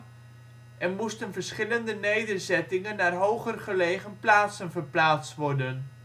en moesten verschillende nederzettingen naar hogergelegen plaatsen verplaatst worden